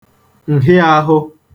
ǹhịaāhụ̄